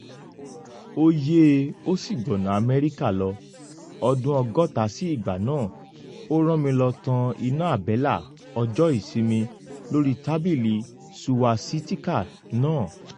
Ó yè é ó ṣì gbọ̀nà Amẹ́ríkà lọ, ọdún 60 sí ìgbà náà, ó rán mi lọ tàn iná àbẹ́là ọjọ́ ìsinmí lórí tábìlì Suwasitikà náà.